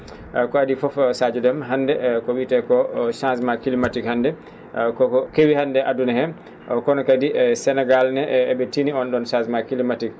ah ko adii fof Sadio Déme hannde ko wiyetee koo changement climatique hannde a koko keewi hannde e aduna hee kono kadi e Sénégal ne e?e tini oon ?oon changement climatique